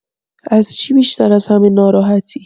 از چی بیشتر از همه ناراحتی؟